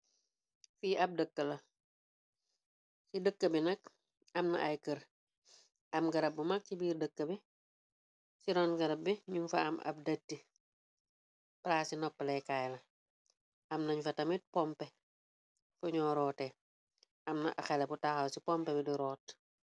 Fi ab dëkka la bi nak amna ay kërr am garab bu mag ci biir dëkk bi ci ron garab bi ñyung fa am ab dëtti palas si noppalay kaay la am neñ fa tamit pompeh fu ñyur roteh amna xeleh bu taxaw ci pompeh bi di rot.